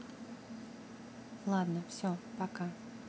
ладно все пока